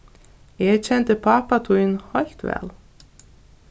eg kendi pápa tín heilt væl